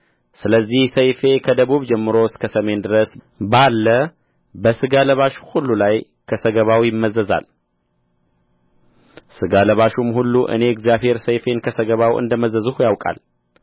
ስለዚህ ሰይፌ ከደቡብ ጀምሮ እስከ ሰሜን ድረስ ባለ በሥጋ ለባሽ ሁሉ ላይ ከሰገባው ይመዘዛል ሥጋ ለባሹም ሁሉ እኔ እግዚአብሔር ሰይፌን ከሰገባው እንደ መዘዝሁ ያውቃል